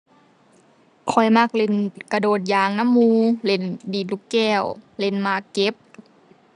ข้อยมักเล่นกระโดดยางนำหมู่ เล่นดีดลูกแก้ว เล่นหมากเก็บ